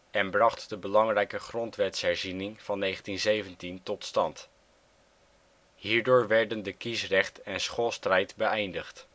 en bracht de belangrijke Grondwetsherziening van 1917 tot stand. Hierdoor werden de kiesrecht - en schoolstrijd beëindigd